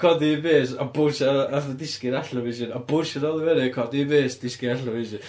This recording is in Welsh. codi un bys a bownsio a fatha disgyn allan o vision a bownsio yn ôl i fyny, codi un fys a disgyn allan o vision...